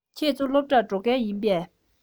ཁྱེད ཚོ སློབ གྲྭར འགྲོ མཁན ཡིན པས